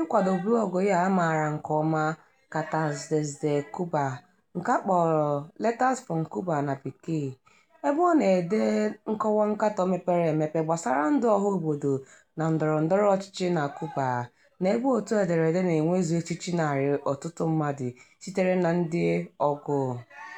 ịkwado blọọgụ ya a maara nke ọma "Cartas desde Cuba” (Letters from Cuba), ebe ọ na-ede nkọwa nkatọ mepere emepe gbasara ndụ ọhaobodo na ndọrọndọrọ ọchịchị na Cuba, na ebe otu ederede na-enwezu echiche narị ọtụtụ mmadụ sitere na ndị ọgụụ.